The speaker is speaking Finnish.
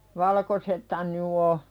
valkoisethan nyt on